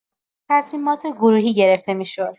تصمیمات گروهی گرفته می‌شد.